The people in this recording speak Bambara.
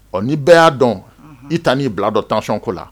Ɔ ni bɛɛ y'a dɔn, i ta n'i bila don tension ko la.